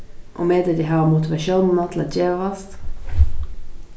og metir teg hava motivatiónina til at gevast